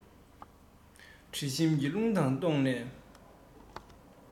དྲི བཞིན གྱི རླུང དང བསྡོངས ནས